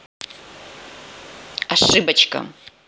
ошибочка